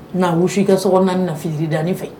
Nka wusi ka so na fitiri dan ne fɛ